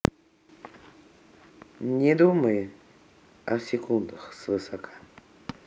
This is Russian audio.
не думай о секундах свысока